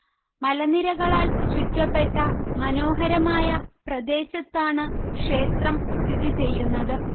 മലനിരകളാൽ ചുറ്റപ്പെട്ട മനോഹരമായ പ്രദേശത്താണ് ക്ഷേത്രം സ്ഥിതി ചെയ്യുന്നത്